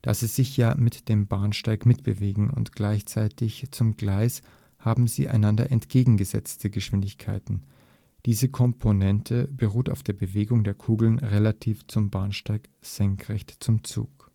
(da sie sich ja mit dem Bahnsteig mitbewegen), und senkrecht zum Gleis haben sie einander entgegengesetzte Geschwindigkeiten (diese Komponente beruht auf der Bewegung der Kugeln relativ zum Bahnsteig senkrecht zum Zug